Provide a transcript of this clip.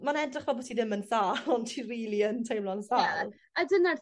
ma'n edrych fel bo' ti ddim yn sâl ond ti rili yn teimlo'n sâl. Ie a dyna'r